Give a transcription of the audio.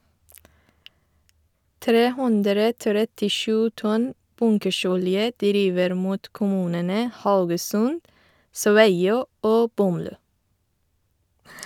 337 tonn bunkersolje driver mot kommunene Haugesund, Sveio og Bømlo.